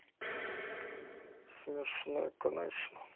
смешной конечно